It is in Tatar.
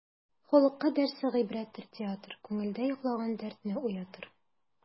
Халыкка дәрсе гыйбрәттер театр, күңелдә йоклаган дәртне уятыр.